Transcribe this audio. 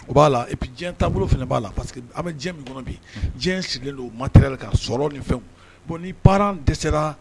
O b'a la diɲɛ taabolo b'a la que bɛ min kɔnɔ bi diɲɛ sigilen don o matɛ ka sɔrɔ nin fɛn ni baara dɛsɛ